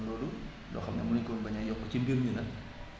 kon loolu loo xam ne mënuñ ko woon bañ a yokk ci mbir mi la